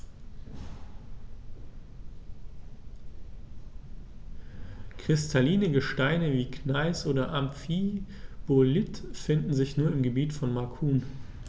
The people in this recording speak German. Kristalline Gesteine wie Gneis oder Amphibolit finden sich nur im Gebiet von Macun.